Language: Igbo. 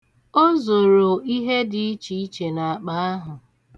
O zoro ihe dị ichiiche n'akpa ahụ.